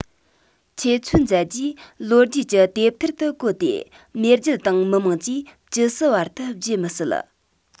ཁྱེད ཚོའི མཛད རྗེས ལོ རྒྱུས ཀྱི དེབ ཐེར དུ བཀོད དེ མེས རྒྱལ དང མི དམངས ཀྱིས ཇི སྲིད བར བརྗེད མི སྲིད